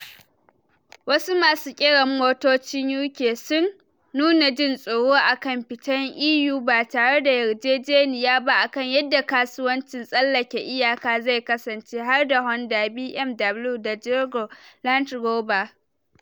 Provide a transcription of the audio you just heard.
Wasu masu kera motocin UK sun nuna jin tsoro akan fita EU ba tare da yarjejniya ba akan yadda kasuwancin tsallaken iyaka zai kasance, har da Honda, BMW da Jaguar Land Rover.